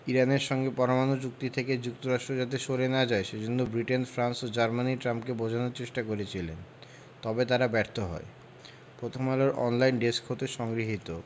ইরানের সঙ্গে পরমাণু চুক্তি থেকে যুক্তরাষ্ট্র যাতে সরে না যায় সে জন্য ব্রিটেন ফ্রান্স ও জার্মানি ট্রাম্পকে বোঝানোর চেষ্টা করছিলেন তবে তারা ব্যর্থ হয় প্রথমআলোর অনলাইন ডেস্ক হতে সংগৃহীত